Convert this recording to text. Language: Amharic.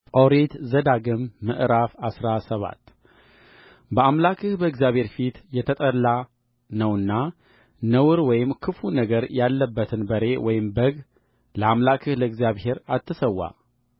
ኦሪት ዘዳግም ምዕራፍ አስራ ሰባት በአምላክህ በእግዚአብሔር ፊት የተጠላ ነውና ነውር ወይም ክፉ ነገር ያለበትን በሬ ወይም በግ ለአምላክህ ለእግዚአብሔር አትሠዋ